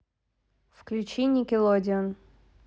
включи никелодеон